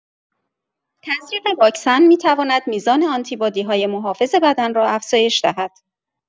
تزریق واکسن می‌تواند میزان آنتی‌بادی‌های محافظ بدن را افزایش دهد.